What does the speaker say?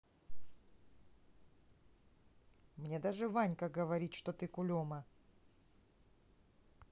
мне даже ванька говорить что ты кулема